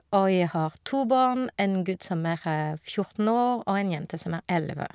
Og jeg har to barn, en gutt som er fjorten år og en jente som er elleve.